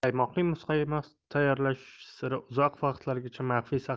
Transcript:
qaymoqli muzqaymoq tayyorlash siri uzoq vaqtgacha maxfiy saqlangan